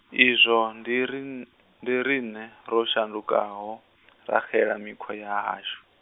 izwo ndi riṋ-, ndi riṋe ro shandukaho, ra xela mikhwa ya hashu.